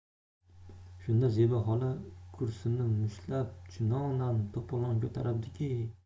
shunda zebi xola kursini mushtlab chunonam to'polon ko'taribdiki